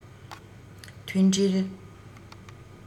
མཐུན སྒྲིལ